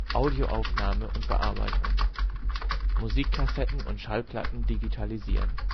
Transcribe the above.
Audio-Aufnahme und - Bearbeitung Musikkassetten und Schallplatten digitalisieren